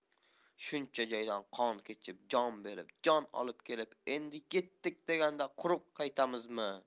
shuncha joydan qon kechib jon berib jon olib kelib endi yetdik deganda quruq qaytamizmi